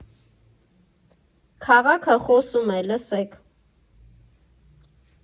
Քաղաքը խոսում է, լսեք։